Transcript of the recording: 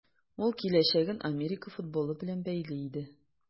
Ул киләчәген Америка футболы белән бәйли иде.